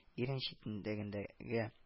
Ирен читендәгендәге